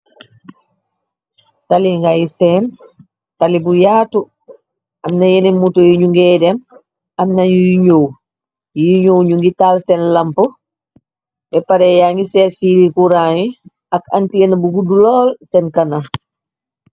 tali nga ay seen tali bu yaatu amna yeneen muto yi ñu ngey dem amna yu ñoow yi ñoow ñu ngi taal seen lamp bepare ya ngi seerfiiri kurani ak antena bu guddu lool seen kanam